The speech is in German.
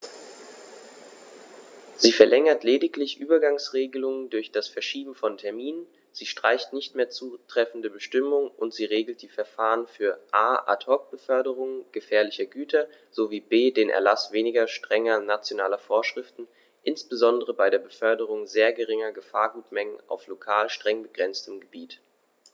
Sie verlängert lediglich Übergangsregeln durch das Verschieben von Terminen, sie streicht nicht mehr zutreffende Bestimmungen, und sie regelt die Verfahren für a) Ad hoc-Beförderungen gefährlicher Güter sowie b) den Erlaß weniger strenger nationaler Vorschriften, insbesondere bei der Beförderung sehr geringer Gefahrgutmengen auf lokal streng begrenzten Gebieten.